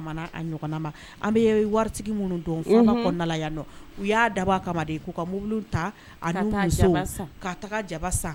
Famana a ɲɔgɔnna ma, an bɛ waritigi minnu dɔn, suguba kɔnɔna yan nɔ, unhun, u y'a dab'a kama de, k'u ka mobile ta u n'u musow, ka taa jaba san.